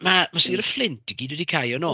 Ma' ma' sir y Fflint i gyd wedi cau o'n nhw?